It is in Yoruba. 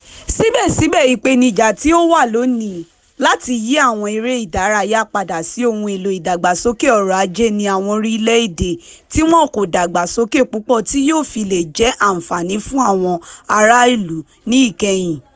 Síbẹ̀síbẹ̀, ìpèníjà tí ó wà lónìí ni láti yí àwọn eré ìdárayá padà sí ohun èlò ìdàgbàsókè ọrọ̀ ajé ní àwọn orílẹ́ èdè tí wọn kò dàgbà sókè púpọ̀ tí yóò fi lè jẹ́ àǹfààní fún àwọn ará ìlú ní ìkẹyìn.